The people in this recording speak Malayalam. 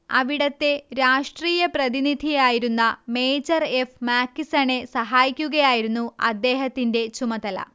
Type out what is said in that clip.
അവിടത്തെ രാഷ്ട്രീയപ്രതിനിധിയായിരുന്ന മേജർ എഫ്. മാക്കിസണെ സഹായിക്കുകയായിരുന്നു അദ്ദേഹത്തിന്റെ ചുമതല